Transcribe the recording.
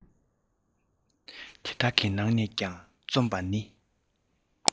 དེ དག གི ནང ནས ཀྱང རྩོམ པ ནི